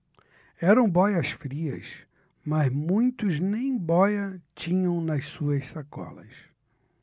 eram bóias-frias mas muitos nem bóia tinham nas suas sacolas